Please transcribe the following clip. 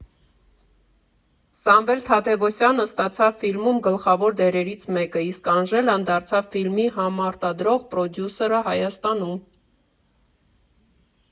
Սամվել Թադևոսյանը ստացավ ֆիլմում գլխավոր դերերից մեկը, իսկ Անժելան դարձավ ֆիլմի համարտադրող պրոդյուսերը Հայաստանում։